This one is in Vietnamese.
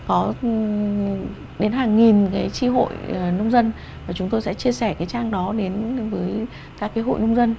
có đến hàng nghìn ký chi hội nông dân và chúng tôi sẽ chia sẻ cái trang đó đến với các cái hộ nông dân